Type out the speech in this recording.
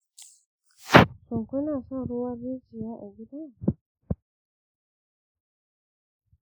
shin kuna shan ruwan rijiya a gida?